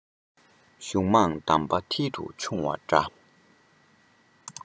གཞུང མང གདམས པ མཐིལ དུ ཕྱུང བ འདྲ